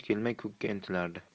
kelmay ko'kka intilardi